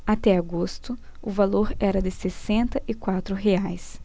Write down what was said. até agosto o valor era de sessenta e quatro reais